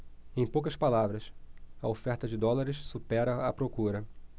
em poucas palavras a oferta de dólares supera a procura